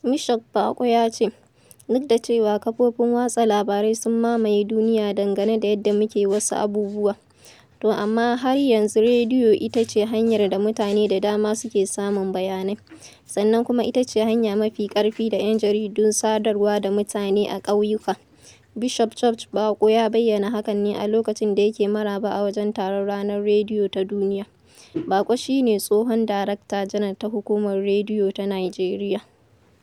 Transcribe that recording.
Bishop Bako ya ce, "Duka da cewa kafofin watsa labarai sun mamaye duniya dangane da yadda muke wasu abubuwa, to amma har yanzu rediyo ita ce hanyar da mutane da dama suke samun bayanai, sannan kuma ita ce hanya mafi ƙarfi da 'yan jaridu sadarwa da mutane a ƙauyuka..." Bishop George Bako ya bayyana hakan ne a lokacin da yake maraba a wajen taron Ranar Rediyo Ta Duniya. Bako shi ne tsohon Darakta Janar na Hukumar Rediyo Ta Nijeriya.